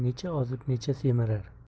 necha ozib necha semirar